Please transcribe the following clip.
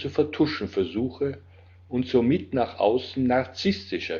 vertuschen versuche, und somit nach außen narzisstisch